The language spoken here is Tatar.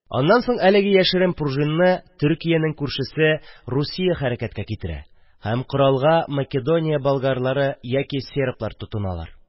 Аннан соң әлеге яшерен пружинны Төркиянең күршесе Русия хәрәкәткә китерә һәм коралга Македония болгарлары яки серблар тотыналар.